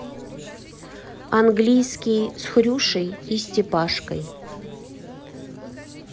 английский с хрюшей и степашкой